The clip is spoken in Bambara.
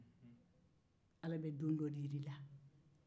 ala bɛ don dɔ jira e la